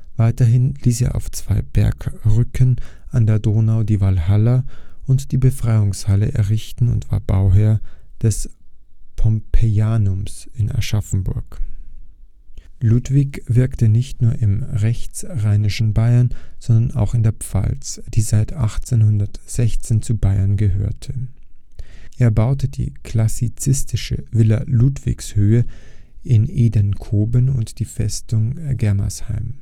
Weiterhin ließ er auf zwei Bergrücken an der Donau die Walhalla und die Befreiungshalle errichten und war Bauherr des Pompejanums in Aschaffenburg. Ludwig wirkte nicht nur im rechtsrheinischen Bayern, sondern auch in der Pfalz, die seit 1816 zu Bayern gehörte. Er baute die klassizistische Villa Ludwigshöhe in Edenkoben und die Festung Germersheim